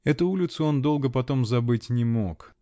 Эту улицу он долго потом забыть не мог.